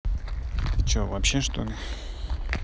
ты че вообще что ли